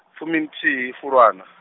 fuminthihi Fulwana.